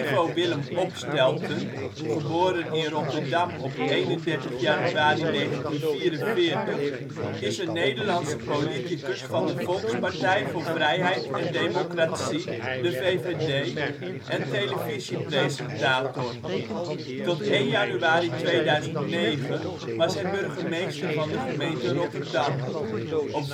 Willem Opstelten (Rotterdam, 31 januari 1944) is een Nederlandse politicus van de Volkspartij voor Vrijheid en Democratie (VVD) en televisiepresentator. Tot 1 januari 2009 was hij burgemeester van de gemeente Rotterdam. Op